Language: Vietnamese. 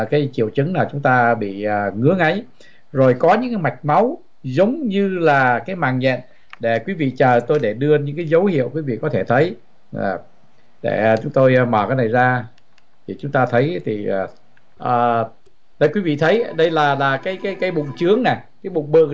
cái triệu chứng là chúng ta bị ngứa ngáy rồi có những mạch máu giống như là cái mạng nhện để quý vị chờ tôi để đưa những dấu hiệu với việc có thể thấy là để chúng tôi mà cái này da thì chúng ta thấy thì ờ đấy quý vị thấy đây là là cái cái bụng chướng này cái bụng bự